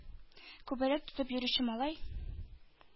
Күбәләк тотып йөрүче малай